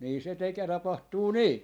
niin se - tapahtuu niin